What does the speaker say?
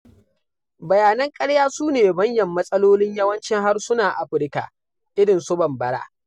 Bayanan ƙarya su ne manyan matsalolin yawancin harsunan Afirka irin su Bambara.